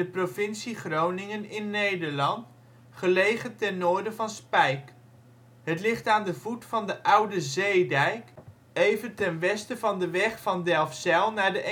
provincie Groningen (Nederland), gelegen ten noorden van Spijk. Het ligt aan de voet van de oude zeedijk even ten westen van de weg van Delfzijl naar de